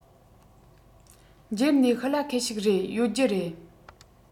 འགྱེལ ནས ཤི ལ ཁད ཞིག རེད ཡོད རྒྱུ རེད